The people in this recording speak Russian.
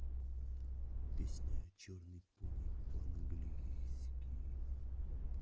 песня черный пони по английски